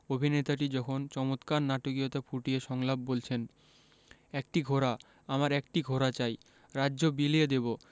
অভিনেতাটি যখন চমৎকার নাটকীয়তা ফুটিয়ে সংলাপ বলছেন একটি ঘোড়া আমার একটি ঘোড়া চাই রাজ্য বিলিয়ে দেবো